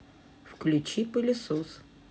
включи пылесос